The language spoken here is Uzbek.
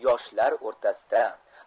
yoshlar o'rtasida